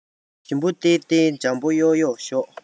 ཞིམ པོ སྟེར སྟེར འཇམ པོ གཡོག གཡོག ཞོག